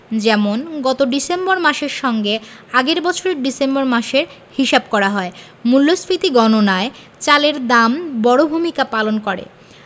যেমন গত ডিসেম্বর মাসের সঙ্গে আগের বছরের ডিসেম্বর মাসের হিসাব করা হয় মূল্যস্ফীতি গণনায় চালের দাম বড় ভূমিকা পালন করে